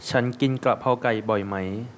ฉันกินกะเพราไก่บ่อยไหม